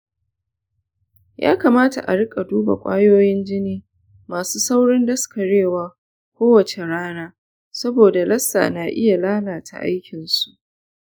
ya kamata a rika duba kwayoyin jini masu saurin daskarewa kowace rana saboda lassa na iya lalata aikin su.